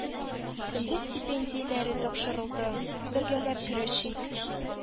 Исемле стипендияләре тапшырылды. бергәләп көрәшик!